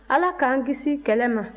ala k'an kisi kɛlɛ ma